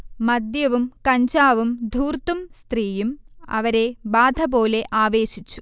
മദ്യവും കഞ്ചാവും ധൂർത്തും സ്ത്രീയും അവരെ ബാധപോലെ ആവേശിച്ചു